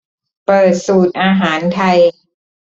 เปิดสูตรอาหารไทย